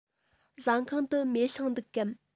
ཟ ཁང དུ མེ ཤིང འདུག གམ